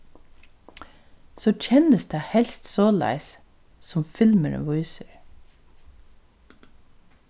so kennist tað helst soleiðis sum filmurin vísir